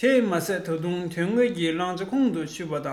དེས མ ཚད ད དུང དོན དངོས ཀྱི བླང བྱ ཁོང དུ ཆུད པ ད